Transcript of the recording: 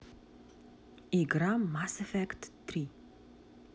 игра mass effect три